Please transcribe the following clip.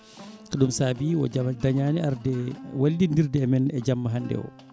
ɗum saabi o dañani arde wallidirde e men jamma hannde o